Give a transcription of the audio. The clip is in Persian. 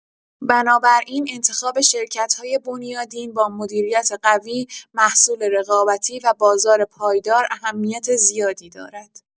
بنابراین انتخاب شرکت‌های بنیادین، با مدیریت قوی، محصول رقابتی و بازار پایدار اهمیت زیادی دارد.